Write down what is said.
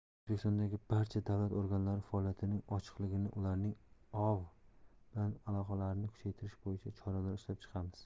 o'zbekistondagi barcha davlat organlari faoliyatining ochiqligini ularning oav bilan aloqalarini kuchaytirish bo'yicha choralar ishlab chiqamiz